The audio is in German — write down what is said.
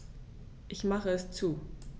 Ich mache es zu.